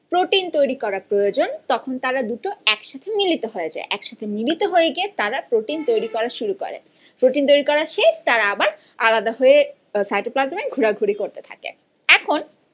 protein তৈরি করা প্রয়োজন তখন তারা দুটো একসাথে মিলিত হয়ে যায় একসাথে মিলিত হয়ে গিয়ে তারা প্রোটিন তৈরি করা শুরু করে প্রোটিন তৈরি করা শেষ তারা আবার সাইটোপ্লাজমে ঘুরাঘুরি করতে থাকে এখন